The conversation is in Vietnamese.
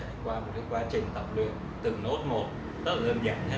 trải qua một quá trình học tập đơn giản từng nốt một thế này